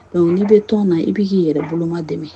Dɔnkuc i bɛ tɔn na i b' k'i yɛrɛ boloma dɛmɛ